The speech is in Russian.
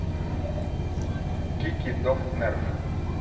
кики дом нерф